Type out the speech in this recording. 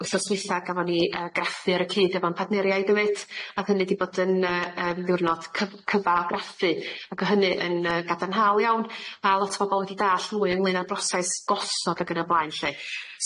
wthos dwitha gafo ni yy graffu ar y cyd efo'r partneriaid 'efyd o'dd hynny 'di bod yn yy yym ddiwrnod cyf- cyfa o graffu ac o' hynny yn yy gadarnhaol iawn a lot o bobol wedi dall' mwy ynglyn â'r broses gosod ac yn y blaen lly.